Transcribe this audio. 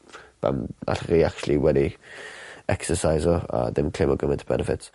yym allwch chi actually wedi ecserseiso a dim claimo gyment o benefits.